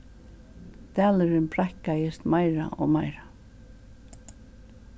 dalurin breiðkaðist meira og meira